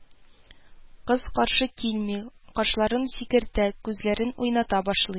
Кыз каршы килми, кашларын сикертә, күзләрен уйната башлый